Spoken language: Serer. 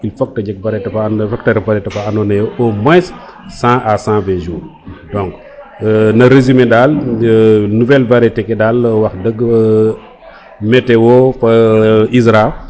il :faut que te jeg varieté fa ando naye faut te ref variété fa ando naye aux moins 100 a 120 jours donc no regime ne dal nouvelle wax deg dal meteo fo IZRA